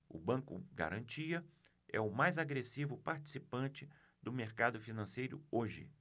o banco garantia é o mais agressivo participante do mercado financeiro hoje